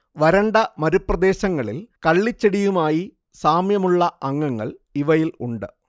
വരണ്ട മരുപ്രദേശങ്ങളിൽ കള്ളിച്ചെടിയുമായി സാമ്യമുള്ള അംഗങ്ങൾ ഇവയിൽ ഉണ്ട്